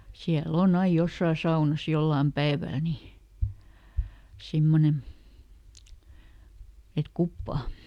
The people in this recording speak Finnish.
siellä on aina jossakin saunassa jollakin päivällä niin semmoinen että kuppaa